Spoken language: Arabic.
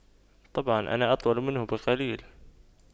طبعا أنا أطول منه بقليل